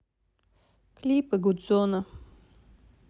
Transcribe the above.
клипы гудзона